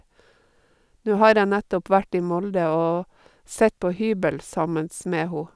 Nå har jeg nettopp vært i Molde og sett på hybel sammen med ho.